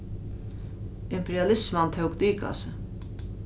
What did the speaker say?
imperialisman tók dik á seg